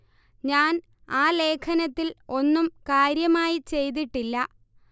ഞാൻ ആ ലേഖനത്തിൽ ഒന്നും കാര്യമായി ചെയ്തിട്ടില്ല